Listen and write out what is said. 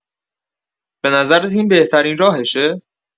به نظرت این بهترین راهشه؟